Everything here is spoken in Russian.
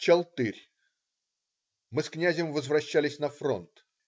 Чалтырь Мы с князем возвращались на фронт.